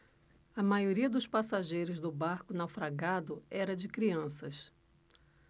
a maioria dos passageiros do barco naufragado era de crianças